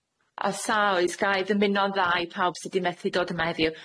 Asa oes gai dymuno'n dda i pawb sy di methu dod yma heddiw?